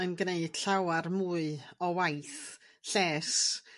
yn gneud llawar mwy o waith lles